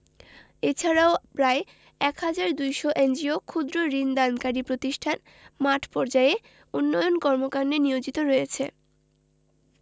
এছাড়াও প্রায় ১ হাজার ২০০ এনজিও ক্ষুদ্র্ ঋণ দানকারী প্রতিষ্ঠান মাঠপর্যায়ে উন্নয়ন কর্মকান্ডে নিয়োজিত রয়েছে